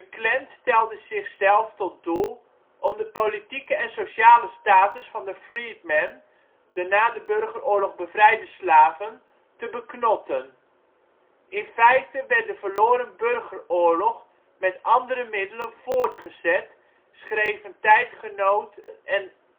Klan stelde het zichzelf tot doel om de politieke en sociale status van de Freedmen (de na de burgeroorlog bevrijde slaven) te beknotten. In feite werd de verloren burgeroorlog met andere middelen voortgezet, schreven tijdgenoten en